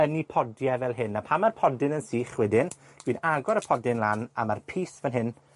yn 'u podie fel hyn, a pan ma'r podyn yn sych wedyn, dwi'n agor y podyn lan a ma'r pys fan hyn